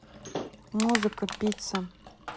музыка пицца